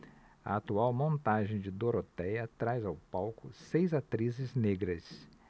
a atual montagem de dorotéia traz ao palco seis atrizes negras